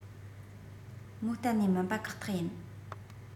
མོ གཏན ནས མིན པ ཁག ཐག ཡིན